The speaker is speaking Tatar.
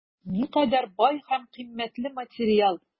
Никадәр бай һәм кыйммәтле материал!